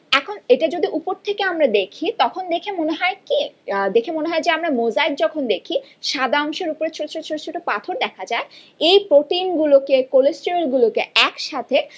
এখন এটা যদি উপর থেকে আমরা দেখি তখন দেখে মনে হয় কি আমরা মোজাইক যখন দেখি সাদা অংশের উপর ছোট ছোট ছোট ছোট পাথর দেখা যায় এ প্রোটিনগুলোকে কোলেস্টরেল গুলোকে একসাথে